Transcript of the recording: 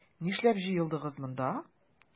Нишләп җыелдыгыз монда?